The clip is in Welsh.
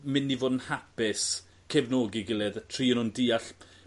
mynd i fod yn hapus cefnogi gilydd y tri o nw'n deall